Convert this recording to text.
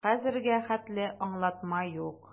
Хәзергә хәтле аңлатма юк.